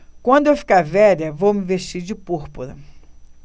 quando eu ficar velha vou me vestir de púrpura